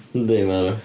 Yndi ma' nhw.